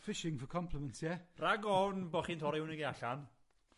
Fishing for compliments ie? Rag ofn bo' chi'n torri 'wn i gyd allan